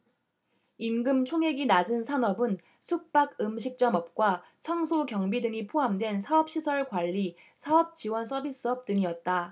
임금총액이 낮은 산업은 숙박 음식점업과 청소 경비 등이 포함된 사업시설관리 사업지원서비스업 등이었다